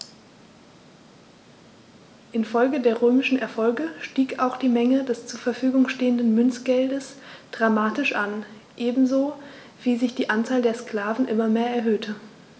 Infolge der römischen Erfolge stieg auch die Menge des zur Verfügung stehenden Münzgeldes dramatisch an, ebenso wie sich die Anzahl der Sklaven immer mehr erhöhte.